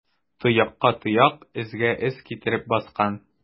Тоякка тояк, эзгә эз китереп баскан.